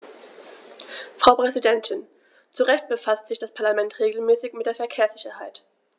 Frau Präsidentin, zu Recht befasst sich das Parlament regelmäßig mit der Verkehrssicherheit.